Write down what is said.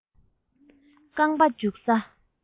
རྐང པ འཛུགས ས